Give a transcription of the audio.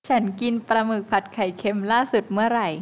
ฉันกินปลาหมึกผัดไข่เค็มล่าสุดเมื่อไหร่